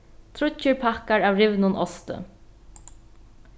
tríggir pakkar av rivnum osti